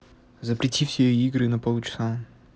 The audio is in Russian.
запрети все игры на полчаса